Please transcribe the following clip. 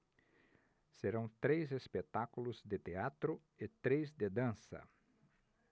serão três espetáculos de teatro e três de dança